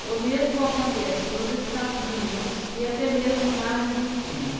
o mesmo acontece nos estados unidos e até mesmo na argentina